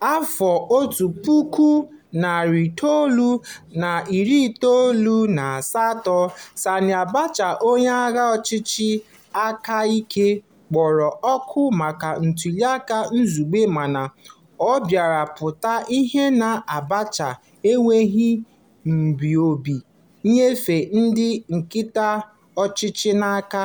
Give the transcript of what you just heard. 1998, Sani Abacha, onye agha ọchịchị aka ike, kpọrọ oku maka ntụliaka izugbe mana ọ bịara pụta ìhè na Abacha enweghị ebumnobi inyefe ndị nkịtị ọchịchị n'aka.